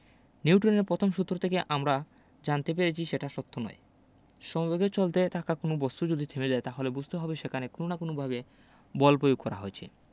নিউটনের পথম সূত্র থেকে আমরা জানতে পেরেছি সেটা সত্যি নয় সমবেগে চলতে থাকা কোনো বস্তু যদি থেমে যায় তাহলে বুঝতে হবে সেখানে কোনো না কোনোভাবে বল পয়োগ করা হয়েছে